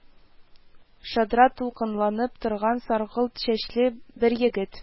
Шадра, дулкынланып торган саргылт чәчле бер егет: